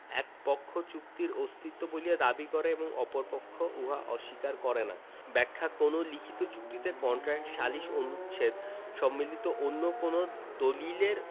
এক পক্ষ চুক্তির অস্তিত্ব বলিয়া দাবী করে এবং অপর পক্ষ উহা অস্বীকার করে না ব্যাখ্যাঃ কোন লিখিত চুক্তিতে কন্ট্রাক্ট সালিস অনুচ্ছেদ সম্বলিত অন্য কোন দলিলের